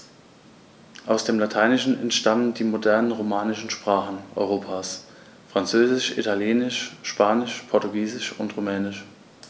Aus dem Lateinischen entstanden die modernen „romanischen“ Sprachen Europas: Französisch, Italienisch, Spanisch, Portugiesisch und Rumänisch.